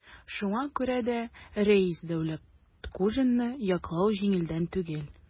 Шуңа күрә дә Рәис Дәүләткуҗинны яклау җиңелдән түгел.